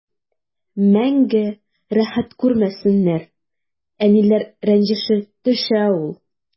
Мәңге рәхәт күрмәсеннәр, әниләр рәнҗеше төшә ул.